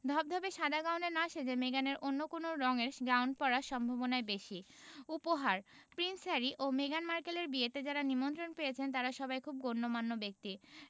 ধবধবে সাদা গাউনে না সেজে মেগানের অন্য কোন রঙের গাউন পরার সম্ভাবনাই বেশি উপহার প্রিন্স হ্যারি ও মেগান মার্কেলের বিয়েতে যাঁরা নিমন্ত্রণ পেয়েছেন তাঁরা সবাই খুব গণ্যমান্য ব্যক্তি